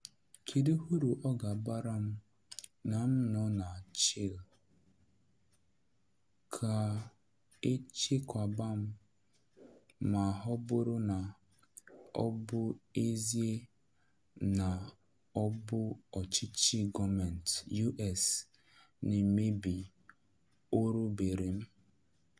Kedu uru ọ ga-abara m na m nọ na Chile ka e chekwaba m ma ọ bụrụ na ọ bụ ezie na ọ bụ ọchịchị gọọmentị US na-emebi orubere m?